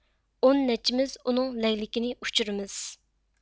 ئون نەچچىمىز ئۇنىڭ لەگلىكىنى ئۇچۇرىمىز